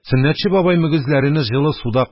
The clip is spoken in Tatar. Сөннәтче бабай мөгезләрене җылы суда кат-кат юа,